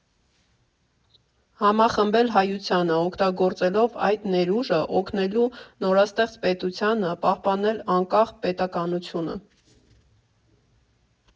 Համախմբել հայությանը, օգտագործելով այդ ներուժը՝ օգնելու նորաստեղծ պետությանը պահպանել անկախ պետականությունը։